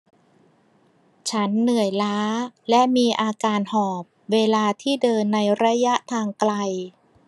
ฉันเหนื่อยล้าและมีอาการหอบเวลาที่เดินในระยะทางไกล